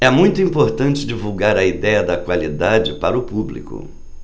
é muito importante divulgar a idéia da qualidade para o público